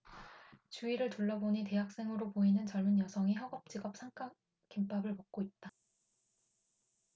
주위를 둘러보니 대학생으로 보이는 젊은 여성이 허겁지겁 삼각김밥을 먹고 있다